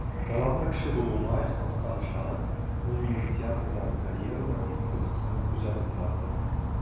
Талантлы кеше булуыма ихластан ышанып, ул минем театрдагы карьераны бик кызыксынып күзәтеп барды.